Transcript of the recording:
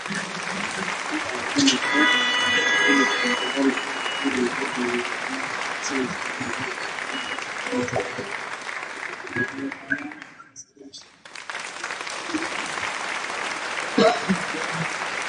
Wax yaalo saxan ay ku jirto khudaar macaan oo cunto ah midabkeedii guduud waxaa dul saaran cagaaran